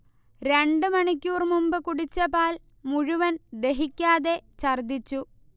രണ്ടു മണിക്കൂർ മുമ്പ് കുടിച്ച പാൽ മുഴുവൻ ദഹിക്കാതെ ഛർദ്ദിച്ചു